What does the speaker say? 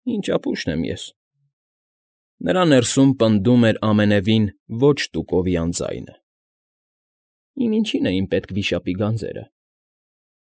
Ի՜նչ ապուշն եմ ես,֊ նրա ներսում պնդում էր ամենևին ոչ տուկովյան ձայնը։֊ Իմ ինչին էին պետք վիշապի գանձերը։